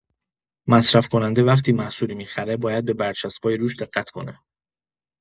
مصرف‌کننده وقتی محصولی می‌خره باید به برچسبای روش دقت کنه.